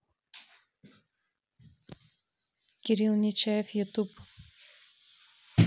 кирилл нечаев на ютуб